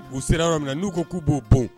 U sera yɔrɔ min na n'u ko k'u b'o bon